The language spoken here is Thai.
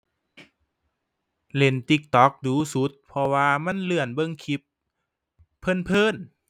เล่น TikTok ดู๋สุด เพราะว่ามันเลื่อนเบิ่งคลิปเพลินเพลิน